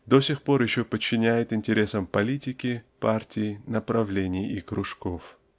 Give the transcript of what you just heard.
до сих пор еще подчиняет интересам политики партий направлений и кружков.